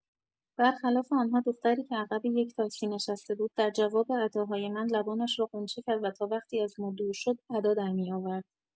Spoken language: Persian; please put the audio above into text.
بر خلاف آنها، دختری که عقب یک تاکسی نشسته بود در جواب اداهای من لبانش را قنچه کرد و تا وقتی از ما دور شد ادا درمی‌آورد.